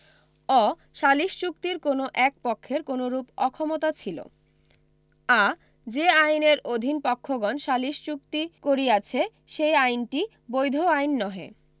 অ সালিস চুক্তির কোন এক পক্ষের কোনরূপ অক্ষমতা ছিল আ যে আইনের অধীন পক্ষগণ সালিস চুক্তি করিয়াছে সেই আইনটি বৈধ আইন নহে